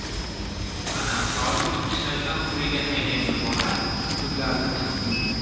mana hozir ikki shayton quliga aylangan bola ko'zlarini chirt yumdi